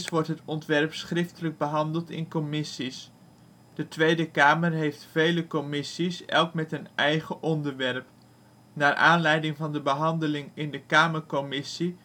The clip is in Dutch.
wordt het ontwerp schriftelijk behandeld in commissie (s). De Tweede Kamer heeft vele commissies, elk met een eigen onderwerp. Naar aanleiding van de behandeling in de kamercommissie